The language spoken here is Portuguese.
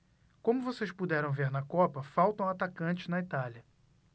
como vocês puderam ver na copa faltam atacantes na itália